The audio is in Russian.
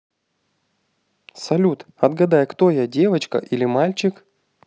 салют отгадай кто я девочка или мальчик